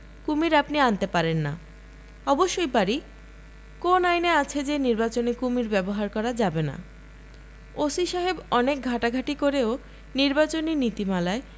কুমীর আপনি আনতে পারেন না'‘অবশ্যই পারি কোন আইনে আছে যে নির্বাচনে কুমীর ব্যবহার করা যাবে না ওসি সাহেব অনেক ঘাঁটাঘাটি করেও নির্বাচনী নীতিমালায়